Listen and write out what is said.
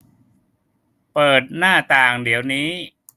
เปิดหน้าต่างเดี๋ยวนี้